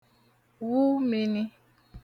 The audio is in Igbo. wụ mini